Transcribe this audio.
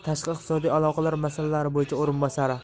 tashqi iqtisodiy aloqalar masalalari bo'yicha o'rinbosari